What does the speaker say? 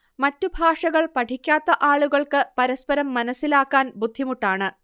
മറ്റുഭാഷകൾ പഠിക്കാത്ത ആളുകൾക്ക് പരസ്പരം മനസ്സിലാക്കാൻ ബുദ്ധിമുട്ടാണ്